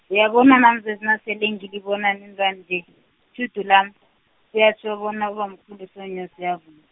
uyabona naMzwezi nasele ngilibona nenza nje itjhudu lami, kuyatjho bona ubamkhulu uSoNyosi uyavu-.